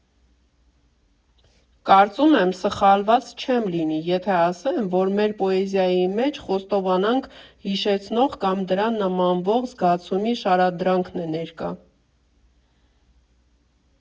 Կարծում եմ՝ սխալված չեմ լինի, եթե ասեմ, որ մեր պոեզիայի մեջ խոստովանանք հիշեցնող կամ դրան նմանվող զգացումի շարադրանքն է ներկա։